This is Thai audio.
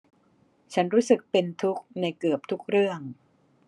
ฉันรู้สึกเป็นทุกข์ในเกือบทุกเรื่อง